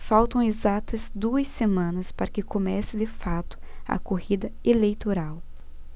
faltam exatas duas semanas para que comece de fato a corrida eleitoral